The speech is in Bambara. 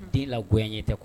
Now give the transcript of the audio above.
Den lagoya ɲe tɛ kɔ